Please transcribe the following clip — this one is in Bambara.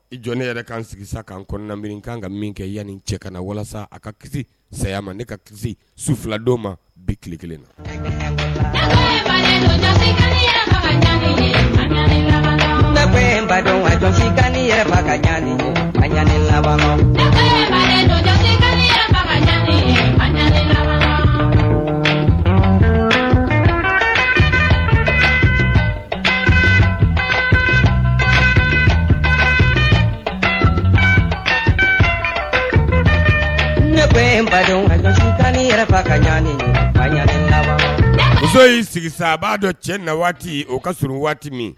I jɔn ne yɛrɛ kan sigisa ka an kɔnɔna mi ka kan ka min kɛ yananini cɛ kana na walasa a ka kisi saya ma ne ka kisi su filadon ma bi ki kelen na kaani ne yɛrɛ kaani muso y'i sigi a b'a dɔn cɛ na waati o ka sɔrɔurun waati min